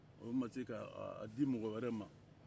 olu ma se k'a di mɔgɔ wɛrɛ ma